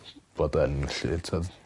Bod yn 'lly t'od?